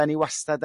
dan ni wastad